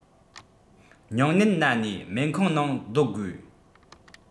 སྙིང ནད ན ནས སྨན ཁང ནང སྡོད དགོས